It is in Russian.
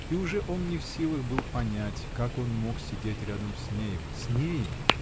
и уже он не в силах был понять, как он мог сидеть рядом с нею. с нею!